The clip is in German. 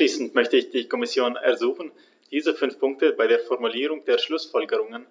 Abschließend möchte ich die Kommission ersuchen, diese fünf Punkte bei der Formulierung der Schlußfolgerungen